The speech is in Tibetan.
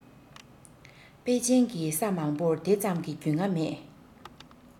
པེ ཅིང གི ས མང པོར དེ ཙམ གྱི རྒྱུས མངའ མེད